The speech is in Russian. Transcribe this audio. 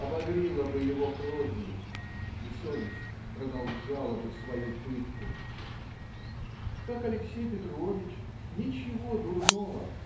обагрило бы его кровью и совесть продолжала бы свою пытку. Как Алексей Петрович ничего дурного